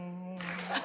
mùa